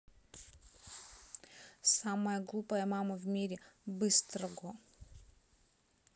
самая глупая мама в мире быстрого